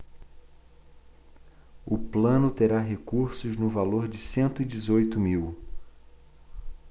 o plano terá recursos no valor de cento e dezoito mil